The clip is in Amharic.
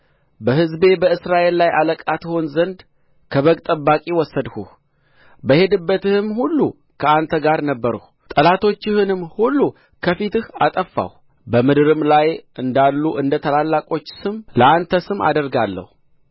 በሕዝቤ በእስራኤል ላይ አለቃ ትሆን ዘንድ ከበግ ጥበቃ ወሰድሁህ በሄድህበትም ሁሉ ከአንተ ጋር ነበርሁ ጠላቶችህንም ሁሉ ከፊትህ አጠፋሁ በምድርም ላይ እንዳሉ እንደታላላቆች ስም ለአንተ ስም አደርጋለሁ